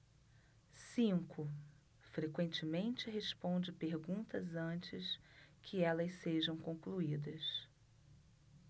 cinco frequentemente responde perguntas antes que elas sejam concluídas